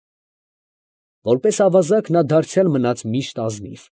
Որպես ավազակ նա դարձյալ մնաց միշտ ազնիվ։